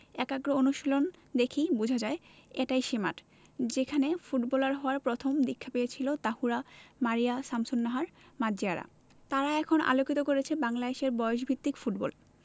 একাগ্র অনুশীলন দেখেই বোঝা যায় এটাই সেই মাঠ যেখানে ফুটবলার হওয়ার প্রথম দীক্ষা পেয়েছে তহুরা মারিয়া শামসুন্নাহার মার্জিয়ারা তারা এখন আলোকিত করছে বাংলাদেশের বয়সভিত্তিক ফুটবল